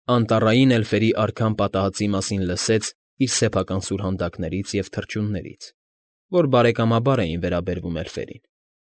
Անտառային էլֆերի արքան պատահածի մասին լսեց իր սեփական սուրհանդակներից և թռչուններից, որ բարեկամաբար էին վերաբերվում էլֆերին։